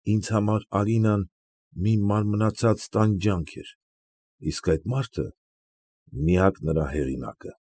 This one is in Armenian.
Ինձ համար Ալինան մի մարմնացած տանջանք էր, իսկ այդ մարդը՝ միակ նրա հեղինակը։